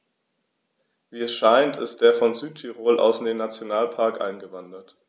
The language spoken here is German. Wie es scheint, ist er von Südtirol aus in den Nationalpark eingewandert.